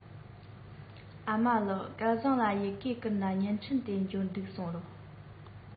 ཨ མ ལགས སྐལ བཟང ལ ཡི གེ བསྐུར ན བརྙན འཕྲིན དེ འབྱོར འདུག གསུངས རོགས